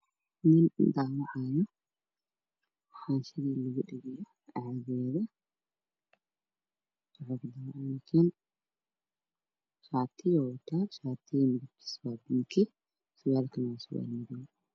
Nin waddo marayo wataa gaari madow ah waxaa ka dambeeyo guri jajaban waxaana daba socda ninkan kale